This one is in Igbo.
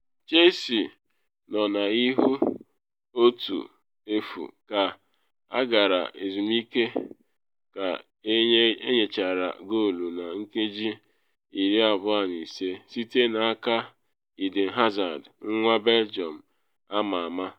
Chelsea nọ n’ihu 1-0 ka agara ezumike ka enyechara goolu na nkeji 25 site n’aka Eden Hazard nwa Belgium ama ama.